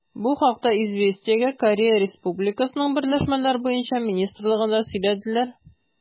Бу хакта «Известия»гә Корея Республикасының берләшмәләр буенча министрлыгында сөйләделәр.